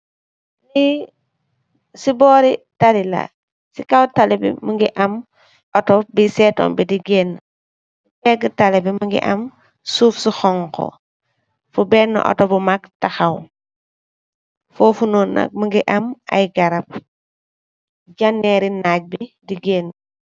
Li si bori taali la si kaw taali bi mogi auto bu seetum bi di gena si pegi taali bi mogi am suuf su xonxa fu bena auto bu naag tahaw fofuu nuun nak mogi am ay garab janneri naag bi di gena.